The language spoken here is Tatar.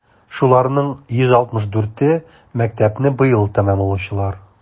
Шуларның 164е - мәктәпне быел тәмамлаучылар.